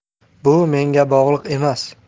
bu menga bog'liq emas